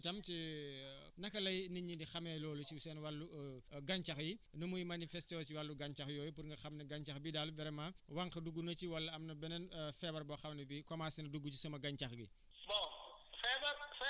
boobu la si wàllu feebar yooyu tam ci naka lay nit ñi di xamee loolu si seen wàllu gàncax yi nu muy manifester woo si wàllu gàncax yooyu pour nga xam ne gàncax bi daal vraiment wànq dugg na ci wala am na beneen feebar boo xam ne bi commencer na dugg si sama gàncax gi